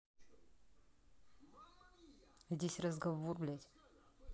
здесь разговор блядь